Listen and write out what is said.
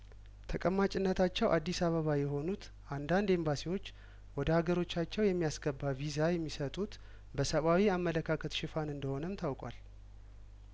ተቀማጭነታቸው አዲስ አበባ የሆኑት አንዳንድ ኤምባሲዎች ወደ ሀገሮቻቸው የሚያስገባ ቪዛ የሚሰጡት በሰብአዊ አመለካከት ሽፋን እንደሆነም ታውቋል